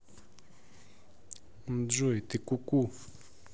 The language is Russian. джой ты ку ку